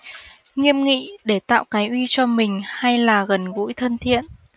nghiêm nghị để tạo cái uy cho mình hay là gần gũi thân thiện